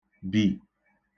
bì